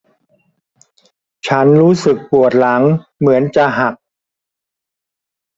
ฉันรู้สึกปวดหลังเหมือนจะหัก